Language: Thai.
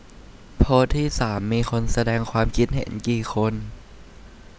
โพสต์ที่สามมีคนแสดงความคิดเห็นกี่คน